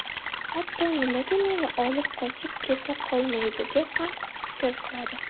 hatto nimaga meni olib qochib keta qolmaydi deb ham fikr qiladi